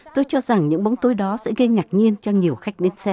tôi cho rằng những bóng tối đó sẽ gây ngạc nhiên cho nhiều khách đến xem